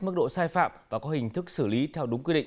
mức độ sai phạm và có hình thức xử lý theo đúng quy định